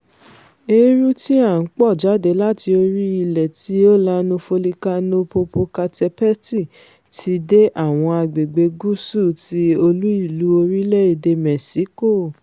Eérú tí a ńpọ̀ jáde láti orí-ilẹ́ tí ó lanu Fòlìkánò Popocatepetl ti dé àwọn agbègbè̀ gúúsù ti olú-ìlú orílẹ̀-èdè Mẹ́ṣíkò.